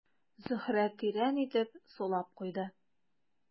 Зөһрә тирән итеп сулап куйды.